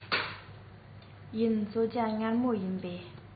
ཡིན གསོལ ཇ མངར མོ རེད པས